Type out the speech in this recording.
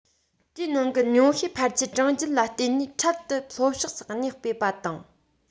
དེའི ནང གི ཉུང ཤས ཕལ ཆེར གྲང རྒྱུན ལ བརྟེན ནས འཕྲལ དུ ལྷོ ཕྱོགས སུ གནས སྤོས པ དང